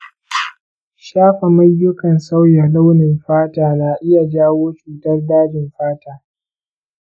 shafa mayukan sauya launin fata na iya jawo cutar dajin fata?